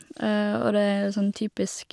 Og det er sånn typisk...